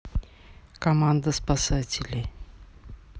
команда спасателей